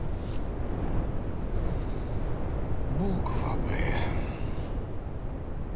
буква б